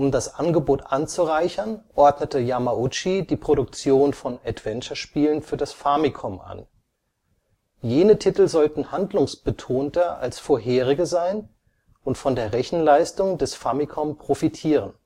das Angebot anzureichern, ordnete Yamauchi die Produktion von Adventure-Spielen für das Famicom an. Jene Titel sollten handlungsbetonter als vorherige sein und von der Rechenleistung des Famicom profitieren